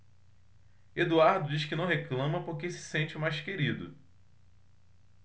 eduardo diz que não reclama porque se sente o mais querido